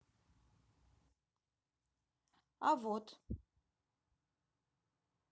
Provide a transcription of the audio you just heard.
а вот